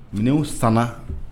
Minɛw san